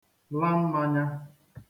la mmānyā